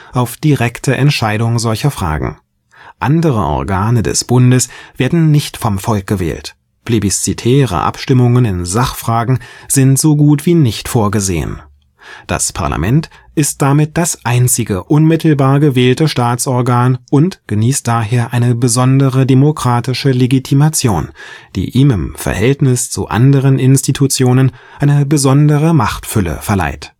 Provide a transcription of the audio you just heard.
direkte Entscheidung solcher Fragen. Andere Organe des Bundes werden nicht vom Volk gewählt, plebiszitäre Abstimmungen in Sachfragen sind so gut wie nicht vorgesehen. Das Parlament ist damit das einzig unmittelbar gewählte Staatsorgan und genießt daher eine besondere demokratische Legitimation, die ihm im Verhältnis zu anderen Institutionen eine besondere Machtfülle verleiht